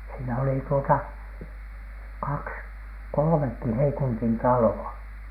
siinä oli tuota kaksi kolmekin Heikuntin taloa